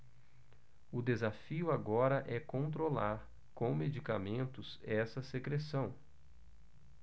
o desafio agora é controlar com medicamentos essa secreção